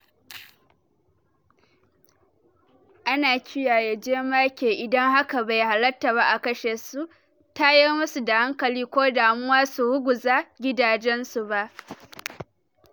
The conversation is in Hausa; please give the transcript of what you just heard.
Ana kiyaye jemagai dan haka bai hallatta a kashe su, tayar masu da hankali ko damuwar su ko ruguza gidajen su ba.